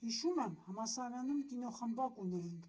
Հիշում եմ՝ համալսարանում կինոխմբակ ունեինք,